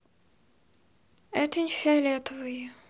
это не фиолетовый